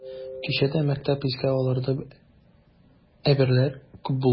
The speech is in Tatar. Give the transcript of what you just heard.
Кичәдә мактап искә алырдай әйберләр күп булды.